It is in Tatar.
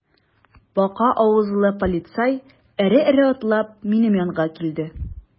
Бака авызлы полицай эре-эре атлап минем янга килде.